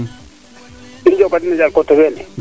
i njoko dena njal coté leene